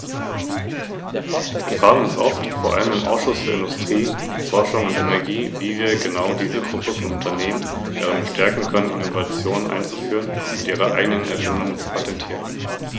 Natürlich akzeptieren wir diesen Änderungsantrag, er ist völlig vernünftig, und ich glaube, es müssen konkrete Situationen in Betracht gezogen werden, die von der klimatischen Verschiedenartigkeit der Europäischen Union zeugen, die manchmal bei der Prüfung der Normungen und Charakterisierungen technischer Art in spezifische Festlegungen und konkrete Anforderungen umgesetzt werden.